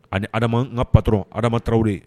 Ani adama n ka patron Adama Tarawele.